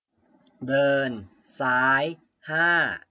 เดินซ้ายห้า